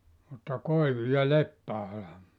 mutta koivu ja leppäala